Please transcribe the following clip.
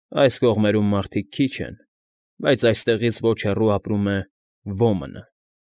Այս կողմերում մարդիկ քիչ են, բայց այստեղից ոչ հեռու ապրում է Ոմնը։